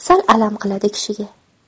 sal alam qiladi kishiga